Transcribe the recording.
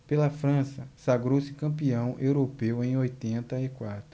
pela frança sagrou-se campeão europeu em oitenta e quatro